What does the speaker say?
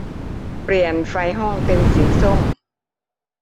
เปลี่ยนไฟห้องเป็นสีส้ม